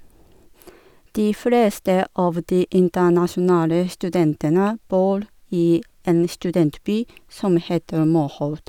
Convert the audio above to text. De fleste av de internasjonale studentene bor i en studentby som heter Moholt.